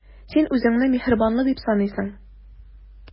Син үзеңне миһербанлы дип саныйсың.